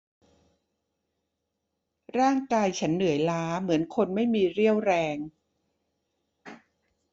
ร่างกายฉันเหนื่อยล้าเหมือนคนไม่มีเรี่ยวแรง